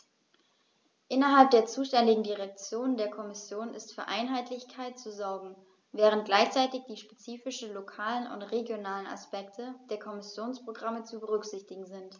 Innerhalb der zuständigen Direktion der Kommission ist für Einheitlichkeit zu sorgen, während gleichzeitig die spezifischen lokalen und regionalen Aspekte der Kommissionsprogramme zu berücksichtigen sind.